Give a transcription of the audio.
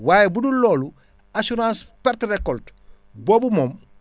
waaye bu dul loolu assurance perte récolte boobu moom